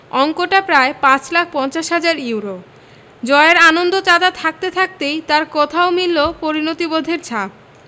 অঙ্কটা প্রায় ৫ লাখ ৫০ হাজার ইউরো জয়ের আনন্দ তাজা থাকতে থাকতেই তাঁর কথায়ও মিলল পরিণতিবোধের ছাপ